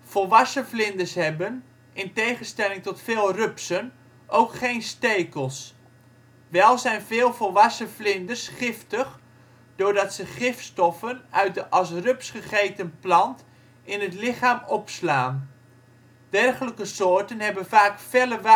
Volwassen vlinders hebben - in tegenstelling tot veel rupsen - ook geen stekels. Wel zijn veel volwassen vlinders giftig doordat ze (gif) stoffen uit de als rups gegeten plant in het lichaam opslaan. Dergelijke soorten hebben vaak felle waarschuwingskleuren